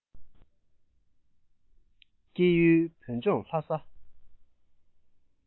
སྐྱེས ཡུལ བོད ལྗོངས ལྷ ས